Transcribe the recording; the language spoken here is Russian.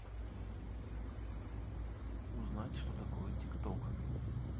узнать что такое tik tok